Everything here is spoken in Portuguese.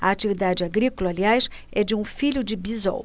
a atividade agrícola aliás é de um filho de bisol